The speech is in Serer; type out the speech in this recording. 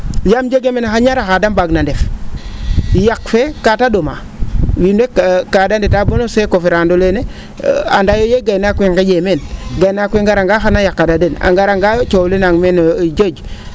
yaam jege mene axa ñara xa de mbaag na o ndef yaq fee kaa ta ?omaa wiin we kaa de ndeta boo no seeko ferand oleene anda ye gaynaak we nge?eeyo meen gaynaak we ngaranga xana yaqana den a ngarangaayo coow le nang meen joj